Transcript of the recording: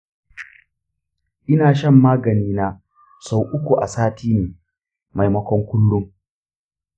ina shan magani na sau uku a sati ne maimakon kullun.